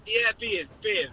Ie, bydd, bydd.